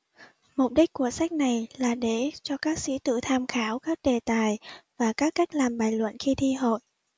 mục đích của sách này là để cho các sĩ tử tham khảo các đề tài và các cách làm bài luận khi thi hội